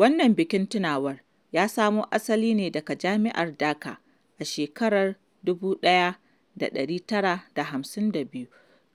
Wannan bikin tunawar ya samo asali ne daga Jami’ar Dhaka a shekarar 1952,